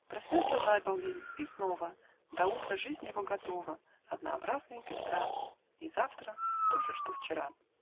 Проснется за полдень, и снова До утра жизнь его готова, Однообразна и пестра. И завтра то же, что вчера.